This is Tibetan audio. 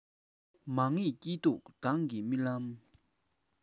མ ངེས སྐྱིད སྡུག མདང གི རྨི ལམ